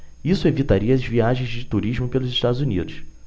isso evitaria as viagens de turismo pelos estados unidos